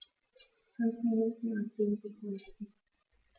5 Minuten und 10 Sekunden